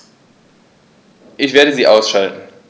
Ich werde sie ausschalten